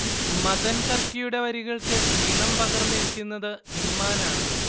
മഥൻ കർക്കിയുടെ വരികൾക്ക് ഈണം പകർന്നിരിക്കുന്നത് ഇമ്മാനാണ്